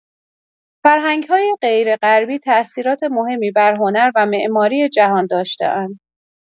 فرهنگ‌های غیرغربی تاثیرات مهمی بر هنر و معماری جهان داشته‌اند.